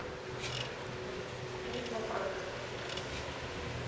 фильмы про животных